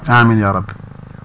amiin yaa rabi